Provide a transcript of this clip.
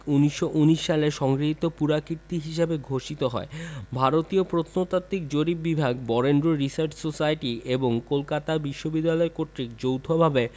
১৯১৯ সালে সংরক্ষিত পুরাকীর্তি হিসেবে ঘোষিত হয় ভারতীয় প্রত্নতাত্ত্বিক জরিপ বিভাগ বরেন্দ্র রিসার্চ সোসাইটি এবং কলকাতা বিশ্ববিদ্যালয় কর্তৃক যৌথভাবে